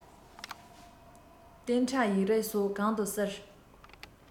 གཏན ཁྲ ཡིག རིགས སོགས གང དུ གསལ